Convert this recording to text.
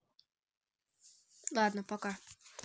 ладно пока